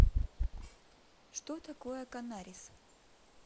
что такое канарис